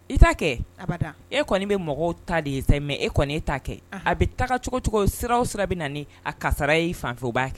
I ta kɛ abada . E kɔni be mɔgɔw ta de ye sa mais e kɔni ta kɛ . A bɛ taga cogo cogo sira o sira bɛ na ni kasara yi fan fɛ ba kɛ.